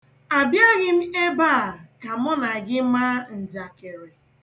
A bịaghị m ebe a ka mụ na gị maa njakịrị.